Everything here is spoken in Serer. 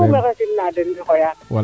den tout maxey simna den